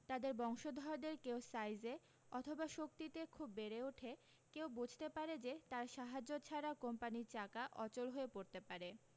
তাদের বংশধরদের কেউ সাইজে অথবা শক্তিতে খুব বেড়ে ওঠে কেউ বুঝতে পারে যে তার সাহায্য ছাড়া কোম্পানির চাকা অচল হয়ে পড়তে পারে